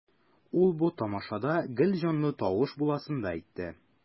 Ул бу тамашада гел җанлы тавыш буласын да әйтте.